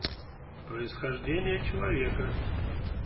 происхождение человека